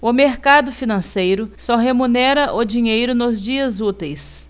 o mercado financeiro só remunera o dinheiro nos dias úteis